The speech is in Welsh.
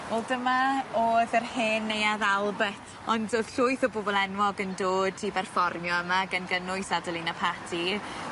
Wel dyma o'dd yr hen Neuadd Albert ond o'dd llwyth o bobol enwog yn dod i berfformio yma gan gynnwys Adeleina Patti